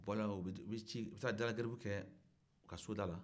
o bɔra la u b'i ci i bɛ taa dalagaribu kɛ a ka soda la